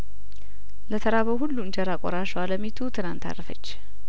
ለተራበው ሁሉ እንጀራ ቆራሿ አለሚቱ ትላንት አረፈች